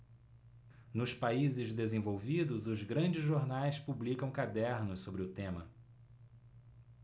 nos países desenvolvidos os grandes jornais publicam cadernos sobre o tema